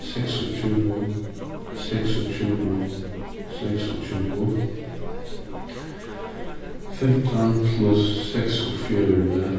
seksogtjúgu seksogtjúgu seksogtjúgu fimtan pluss seksogfjøruti